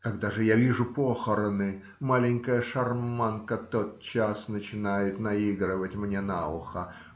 Когда же я вижу похороны, маленькая шарманка тотчас начинает наигрывать мне на ухо